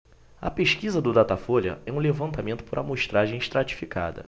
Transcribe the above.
a pesquisa do datafolha é um levantamento por amostragem estratificada